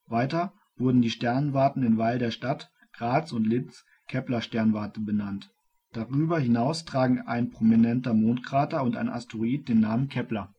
Weiters wurden die Sternwarten in Weil der Stadt, Graz und Linz Kepler-Sternwarte benannt. Darüber hinaus tragen ein prominenter Mondkrater und ein Asteroid den Namen ' Kepler